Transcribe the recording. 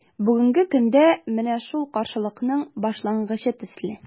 Бүгенге көндә – менә шул каршылыкның башлангычы төсле.